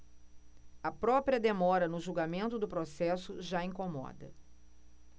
a própria demora no julgamento do processo já incomoda